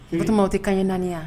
Bitɔnw tɛ ka ɲɛ naaniani yan